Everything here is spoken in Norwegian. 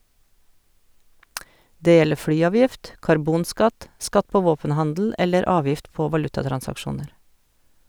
Det gjelder flyavgift, karbonskatt, skatt på våpenhandel eller avgift på valutatransaksjoner.